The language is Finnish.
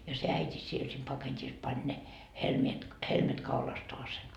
ja se äiti siellä sen paketissa pani ne helmet helmet kaulastaan